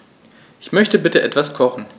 Ich möchte bitte etwas kochen.